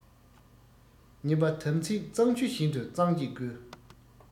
གཉིས པ དམ ཚིག གཙང ཆུ བཞིན དུ གཙང གཅིག དགོས